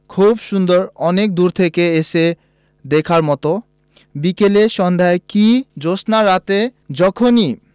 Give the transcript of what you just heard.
খুব সুন্দর অনেক দূর থেকে এসে দেখার মতো বিকেলে সন্ধায় কি জ্যোৎস্নারাতে যখনি